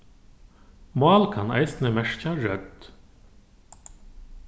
mál kann eisini merkja rødd